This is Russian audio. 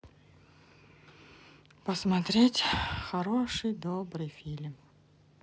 посмотреть хороший добрый фильм